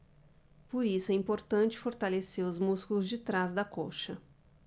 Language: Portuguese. por isso é importante fortalecer os músculos de trás da coxa